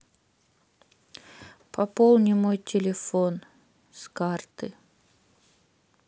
пополни мой телефон с карты